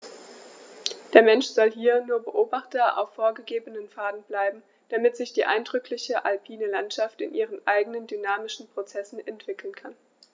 Der Mensch soll hier nur Beobachter auf vorgegebenen Pfaden bleiben, damit sich die eindrückliche alpine Landschaft in ihren eigenen dynamischen Prozessen entwickeln kann.